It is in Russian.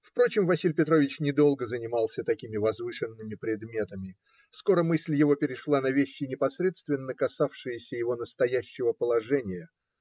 Впрочем, Василий Петрович недолго занимался такими возвышенными предметами, скоро мысль его перешла на вещи, непосредственно касавшиеся его настоящего положения.